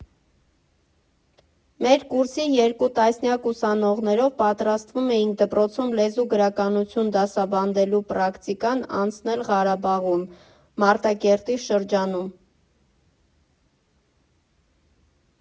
Մեր կուրսի երկու տասնյակ ուսանողներով պատրաստվում էինք դպրոցում լեզու֊գրականություն դասավանդելու պրակտիկան անցնել Ղարաբաղում՝ Մարտակերտի շրջանում։